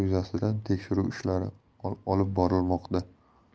yuzasidan tekshiruv ishlari olib borilmoqda